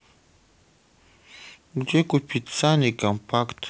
где купить сани компакт